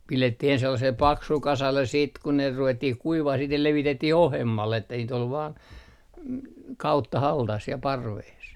pidettiin ensin sellaiselle paksulle kasalle sitten kun ne ruvettiin kuivaamaan sitten ne levitettiin ohuemmalle että niitä oli vain kauttaaltaan siellä parvessa